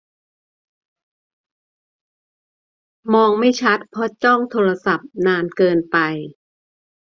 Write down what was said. มองไม่ชัดเพราะจ้องโทรศัพท์นานเกินไป